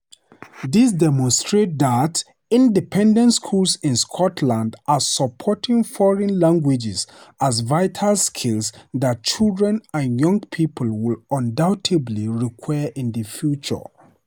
This demonstrates that independent schools in Scotland are supporting foreign languages as vital skills that children and young people will undoubtedly require in the future.